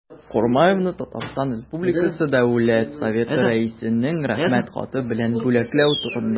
И.Х. Курмаевны Татарстан республикасы дәүләт советы рәисенең рәхмәт хаты белән бүләкләү турында